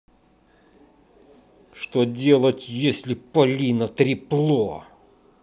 что делать если полина трепло